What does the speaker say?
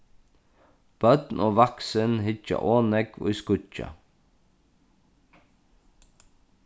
børn og vaksin hyggja ov nógv í skíggja